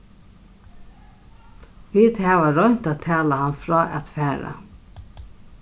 vit hava roynt at tala hann frá at fara